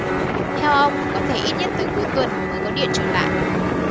theo ông có thể ít nhất tới cuối tuần mới có điện trở lại